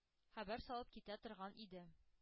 Хәбәр салып китә торган иде.